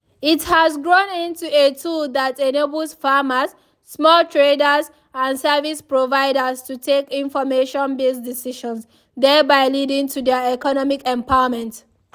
It has grown into a tool that enables, farmers, small traders and service providers to take information-based decisions, thereby leading to their economic empowerment.